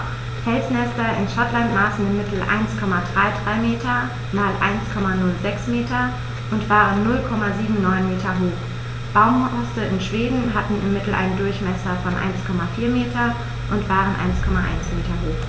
Felsnester in Schottland maßen im Mittel 1,33 m x 1,06 m und waren 0,79 m hoch, Baumhorste in Schweden hatten im Mittel einen Durchmesser von 1,4 m und waren 1,1 m hoch.